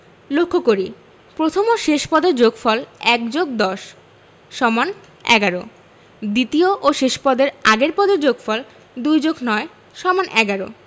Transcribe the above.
লক্ষ করি প্রথম ও শেষ পদের যোগফল ১+১০=১১ দ্বিতীয় ও শেষ পদের আগের পদের যোগফল ২+৯=১১